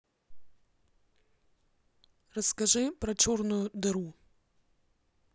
расскажи про черную дыру